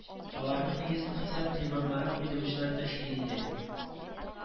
Аларның нигезен хисап приборлары куйдыручылар тәшкил итә